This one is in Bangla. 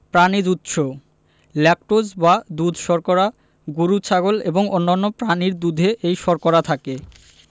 প্রানিজ উৎস ল্যাকটোজ বা দুধ শর্করা গরু ছাগল এবং অন্যান্য প্রাণীর দুধে এই শর্করা থাকে